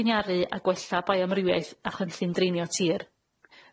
lliniaru a gwella baiomrywiaeth a chynllun dreinio tir.